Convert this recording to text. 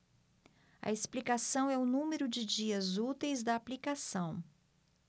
a explicação é o número de dias úteis da aplicação